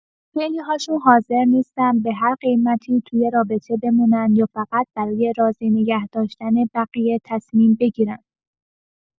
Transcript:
خیلی‌هاشون حاضر نیستن به هر قیمتی توی رابطه بمونن یا فقط برای راضی نگه‌داشتن بقیه تصمیم بگیرن.